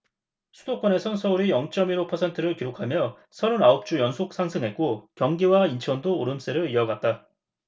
수도권에선 서울이 영 쩜 일 오 퍼센트를 기록하며 서른 아홉 주 연속 상승했고 경기와 인천도 오름세를 이어갔다